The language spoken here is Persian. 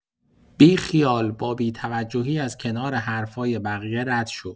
بی‌خیال، با بی‌توجهی از کنار حرفای بقیه رد شو!